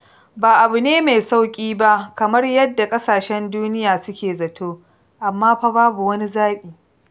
Ba abu ne mai sauƙi ba kamar yadda ƙasashen duniya suke zato, amma fa babu wani zaɓi.